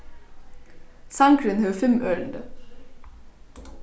sangurin hevur fimm ørindi